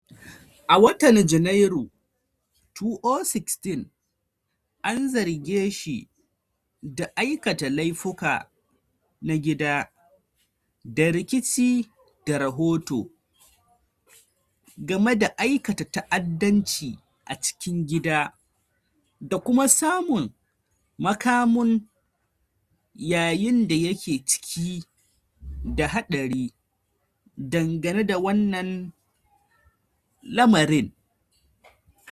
A watan Janairu 2016 an zarge shi da aikata laifuka na gida, da rikici da rahoto game da aikata ta'addanci a cikin gida, da kuma samun makamin yayin da yake cike da haɗari dangane da wannan lamarin.